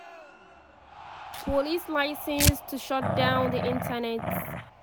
Police licensed to shut down the internet